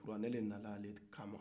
kuranɛ nana ale de kanma